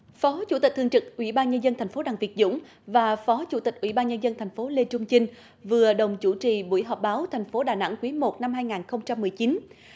phó chủ tịch thường trực ủy ban nhân dân thành phố đặng việt dũng và phó chủ tịch ủy ban nhân dân thành phố lê trung chinh vừa đồng chủ trì buổi họp báo thành phố đà nẵng quý một năm hai ngàn không trăm mười chín